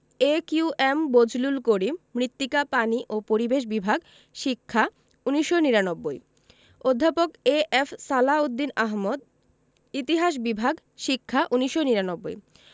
এ Q M Bazlul Karim মৃত্তিকা পানি ও পরিবেশ বিভাগ শিক্ষা ১৯৯৯ অধ্যাপক এ.এফ সালাহ উদ্দিন আহমদ ইতিহাস বিভাগ শিক্ষা ১৯৯৯